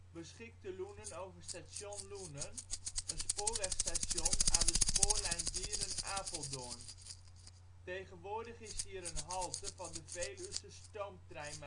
beschikte Loenen over Station Loenen, een spoorwegstation aan de spoorlijn Dieren - Apeldoorn. Tegenwoordig is hier een halte van de Veluwsche Stoomtrein Maatschappij